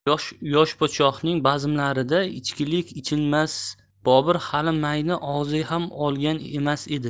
yosh podshohning bazmlarida ichkilik ichilmas bobur hali mayni og'ziga ham olgan emas edi